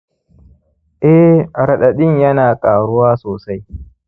eh, raɗaɗin ya na ƙaruwa sosai